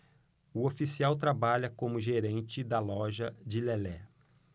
o oficial trabalha como gerente da loja de lelé